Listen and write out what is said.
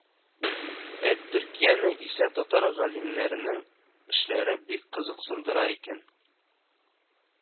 Ә Төркияне исә татар галимнәренең эшләре бик кызыксындыра икән